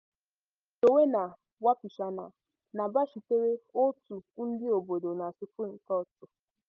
Joenia Wapichana na-agbachitere òtù ndị obodo na Supreme Court.